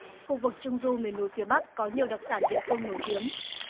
khu vực trung du miền núi phía bắc có nhiều đặc sản địa phương nổi tiếng